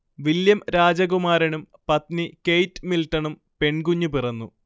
William രാജകുമാരനും പത്നി Kate മിൽടണും പെൺകുഞ്ഞ് പിറന്നു